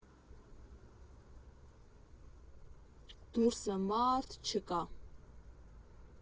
Դուրսը մա՜րդ չկա։